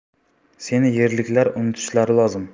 seni yerliklar unutishlari lozim